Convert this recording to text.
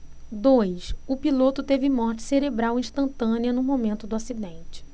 dois o piloto teve morte cerebral instantânea no momento do acidente